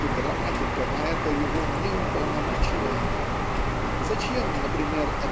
где грамматика на это его не уполномочивает. Зачем например